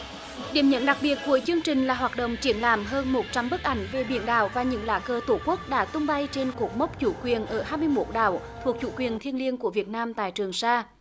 điểm nhấn đặc biệt của chương trình là hoạt động triển lãm hơn một trăm bức ảnh về biển đảo và những lá cờ tổ quốc đã tung bay trên cột mốc chủ quyền ở hai mươi mốt đảo thuộc chủ quyền thiêng liêng của việt nam tại trường sa